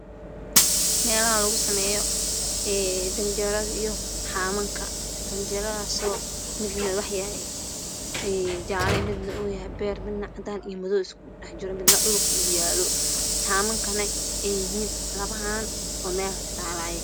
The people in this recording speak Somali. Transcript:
Waa meelaha lugu sameeyo ganjeelada iyo haabanka. Janjeelada waa jaale beer, cadaan iyo madow iskugu jira midna dhulka ayuu yaalaa. Haabankana waa labo haan oo meel taalo.